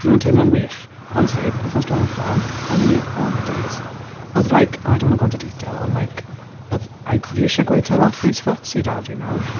Maen nhw'n teimlo'n wych, honestly wythnos diwetha, o'n i... oh my days, oedd like, oh I don't wanna go into detail ond like oedd, I... fi isie gweud taw athlete's foot sy 'da fi nawr.